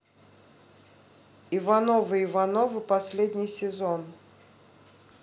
ивановы ивановы последний сезон